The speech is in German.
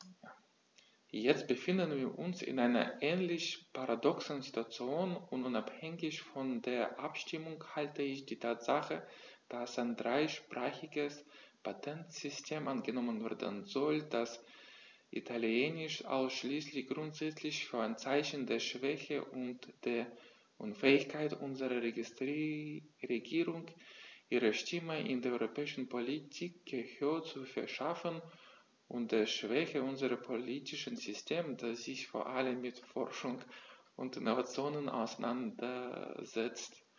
Jetzt befinden wir uns in einer ähnlich paradoxen Situation, und unabhängig von der Abstimmung halte ich die Tatsache, dass ein dreisprachiges Patentsystem angenommen werden soll, das Italienisch ausschließt, grundsätzlich für ein Zeichen der Schwäche und der Unfähigkeit unserer Regierung, ihrer Stimme in der europäischen Politik Gehör zu verschaffen, und der Schwäche unseres politischen Systems, das sich vor allem mit Forschung und Innovation auseinandersetzt.